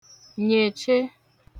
nyèche